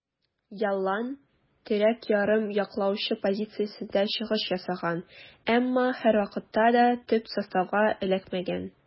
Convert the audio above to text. Ялланн терәк ярым яклаучы позициясендә чыгыш ясаган, әмма һәрвакытта да төп составка эләкмәгән.